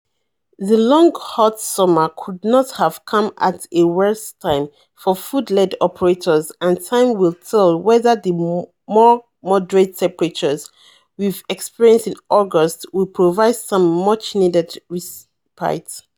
The long hot summer could not have come at a worse time for food-led operators and time will tell whether the more moderate temperatures we've experienced in August will provide some much-needed respite."